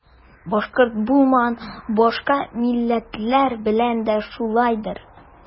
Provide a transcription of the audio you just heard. Башкорт булмаган башка милләтләр белән дә шулайдыр.